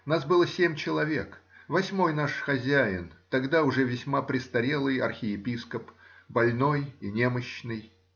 Нас было семь человек, восьмой наш хозяин, тогда уже весьма престарелый архиепископ, больной и немощный.